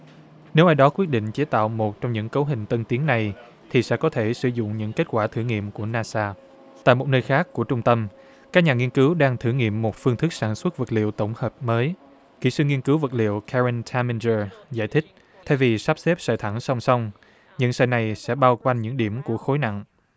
nếu ai đó quyết định chế tạo một trong những cấu hình tân tiến này thì sẽ có thể sử dụng những kết quả thử nghiệm của na sa tại một nơi khác của trung tâm các nhà nghiên cứu đang thử nghiệm một phương thức sản xuất vật liệu tổng hợp mới kỹ sư nghiên cứu vật liệu ca ron tham min dơ giải thích thay vì sắp xếp sợi thẳng song song những sợi này sẽ bao quanh những điểm của khối nặng